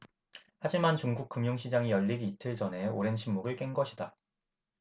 하지만 중국 금융시장이 열리기 이틀 전에 오랜 침묵을 깬 것이다